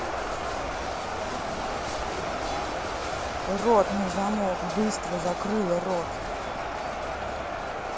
рот на замок быстро закрыла рот